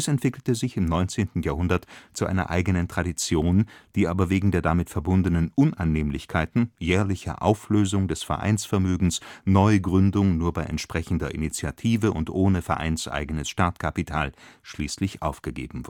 entwickelte sich im 19. Jahrhundert zu einer eigenen Tradition, die aber wegen der damit verbundenen Unannehmlichkeiten (Jährliche Auflösung des Vereinsvermögens, Neugründung nur bei entsprechender Initiative und ohne vereinseigenes Startkapital) schließlich aufgegeben